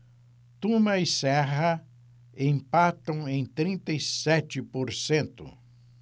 tuma e serra empatam em trinta e sete por cento